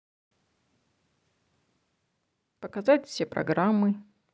показать все программы